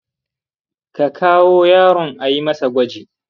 ka kawo yaron a yi masa gwaji.